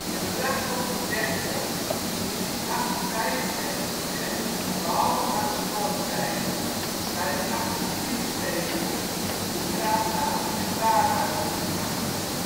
De gracht rond het kerkhof is in 1865 gedempt, behalve aan noordzijde, waar in 1874 de begraafplaats met baarhuisje werd aangelegd